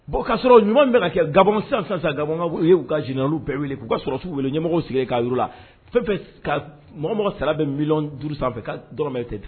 Bon o ka'a sɔrɔ ɲuman bɛ kɛ ga san sa ga u ka jina' bɛɛ wele k'u ka sɔrɔ' wele ɲɛmɔgɔ sigilen ka la fɛn fɛ ka mɔgɔ mɔgɔ sara bɛ miuru sanfɛ ka dɔrɔnɔrɔ tɛ